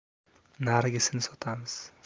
narigisini sotamiz